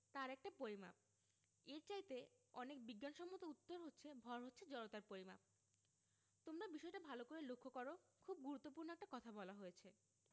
তার একটা পরিমাপ এর চাইতে অনেক বিজ্ঞানসম্মত উত্তর হচ্ছে ভর হচ্ছে জড়তার পরিমাপ তোমরা বিষয়টা ভালো করে লক্ষ করো খুব গুরুত্বপূর্ণ একটা কথা বলা হয়েছে